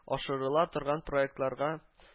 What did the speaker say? Ашырыла торган проектларга